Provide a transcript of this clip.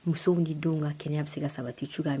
Muso tun tɛ denw ka kɛnɛya a bɛ se ka saba tɛ su ka mɛn